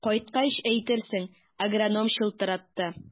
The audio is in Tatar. Кайткач әйтерсең, агроном чылтыратты.